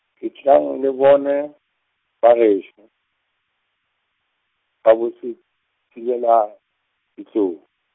etlang le bone, bagešo, ba boSethibeladitlou.